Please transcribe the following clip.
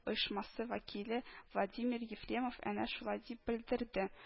Оешмасы вәкиле владимир ефремов әнә шулай дип белдерде